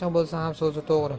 bo'lsa ham so'zi to'g'ri